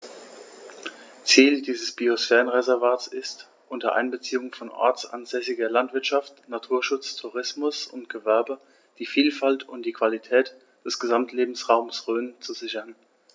Ziel dieses Biosphärenreservates ist, unter Einbeziehung von ortsansässiger Landwirtschaft, Naturschutz, Tourismus und Gewerbe die Vielfalt und die Qualität des Gesamtlebensraumes Rhön zu sichern.